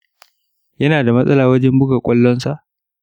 yana da matsala wajen buga ƙwallonsa